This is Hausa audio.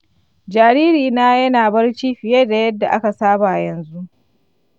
jaririna yana barci fiye da yadda aka saba yanzu.